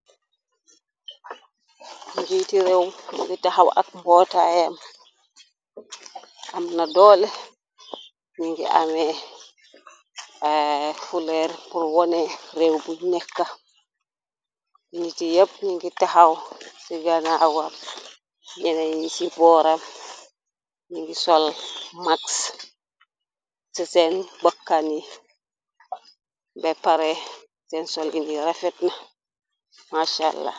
Ngiiti réew mu ngi texaw ak mbootayem am na doole ñi ngi amee fuleer bur wone réew bu nekka biniti yépp ñi ngi texaw ci ganawa ñene ni ci booram ñi ngi sol mags ci seen bokkani bay pare seen sol indi refetna marchal la.